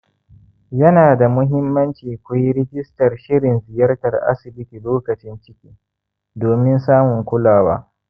ya na da muhimmanci ku yi rijistar shirin ziyartar asibiti lokacin ciki domin samun kulawa